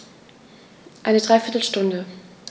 Eine dreiviertel Stunde